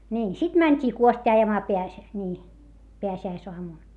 niin sitten mentiin kuostia ajamaan - niin pääsiäisaamuna